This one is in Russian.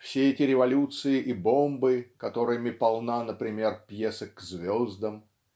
все эти революции и бомбы которыми полна например пьеса "К звездам".